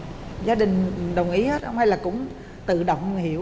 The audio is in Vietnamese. gia đình đồng ý hết không hay là cũng tự động hiểu